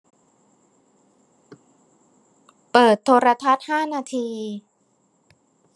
เปิดโทรทัศน์ห้านาที